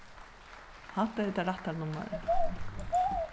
hatta er tað rætta nummarið